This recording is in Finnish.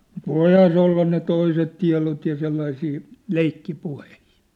mutta voihan se olla ne toiset tiedot ja sellaisia leikkipuheita